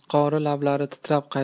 qori lablari titrab qaytardi